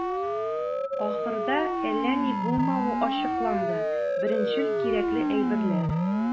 Ахырда, әллә ни булмавы ачыкланды - беренчел кирәкле әйберләр.